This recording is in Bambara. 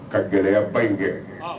Ka gɛlɛyaba in kɛ